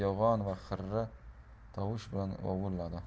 yo'g'on va xirri tovush bilan vovulladi